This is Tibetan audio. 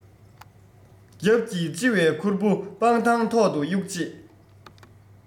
རྒྱབ གྱི ལྕི བའི ཁུར པོ སྤང ཐང ཐོག ཏུ གཡུགས རྗེས